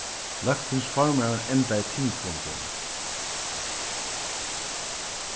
løgtingsformaðurin endaði tingfundin